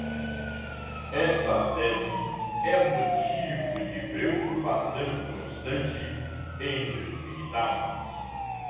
esta tese é motivo de preocupação constante entre os militares